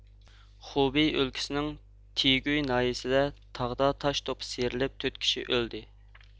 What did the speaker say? خۇبېي ئۆلكىسىنىڭ تىگۇي ناھىيىسىدە تاغدا تاش توپا سىيرىلىپ تۆت كىشى ئۆلدى